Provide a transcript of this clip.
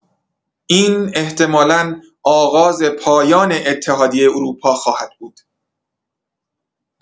این احتمالا آغاز پایان اتحادیه اروپا خواهد بود.